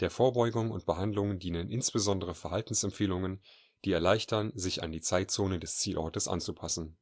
Vorbeugung und Behandlung dienen insbesondere Verhaltensempfehlungen, die erleichtern, sich an die Zeitzone des Zielortes anzupassen